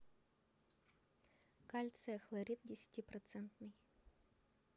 кальция хлорид десятипроцентный